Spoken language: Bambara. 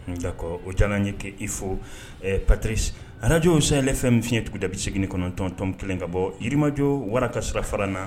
Hun d'accord o diyara nye ke i fo Patirisi Radio Sahel FM fiɲɛ tugu da 89.1 ka bɔɔ Yirimajɔɔ Wara ka sira fara na